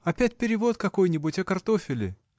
опять перевод какой-нибудь о картофеле?